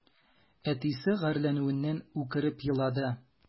Әтисе гарьләнүеннән үкереп елады.